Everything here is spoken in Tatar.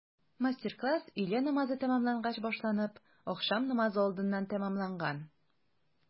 Мастер-класс өйлә намазы тәмамлангач башланып, ахшам намазы алдыннан тәмамланган.